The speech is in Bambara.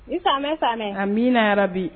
I sanmɛ san a amiina nara bi